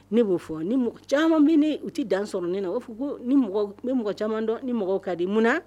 Ne b'o fɔ ni mɔgɔ caaman bi ne ye u ti dan sɔrɔ ne na u b'a fɔ koo n ni mɔgɔw n bɛ mɔgɔ caaman dɔn n ni mɔgɔw kadi munna ?